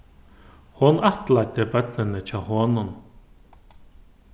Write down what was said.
hon ættleiddi børnini hjá honum